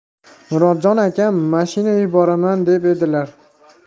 murodjon akam mashina yuboraman deb edilar